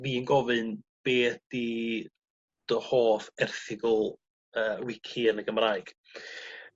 fi'n gofyn be' ydi dy hoff erthygl yy wici yn y Gymraeg?